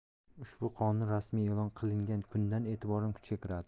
ushbu qonun rasmiy e'lon qilingan kundan e'tiboran kuchga kiradi